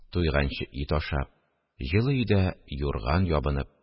Туйганчы ит ашап, җылы өйдә юрган ябынып